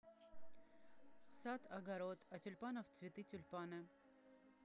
сад огород а тюльпанов цветы тюльпаны